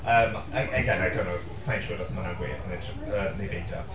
Yym, a- again I dunno sa i'n siwr os ma' hynna'n wir neu tr- yy neu beidio.